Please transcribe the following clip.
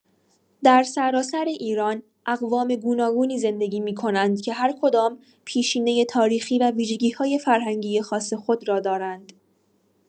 در سراسر ایران اقوام گوناگونی زندگی می‌کنند که هر کدام پیشینه تاریخی و ویژگی‌های فرهنگی خاص خود را دارند.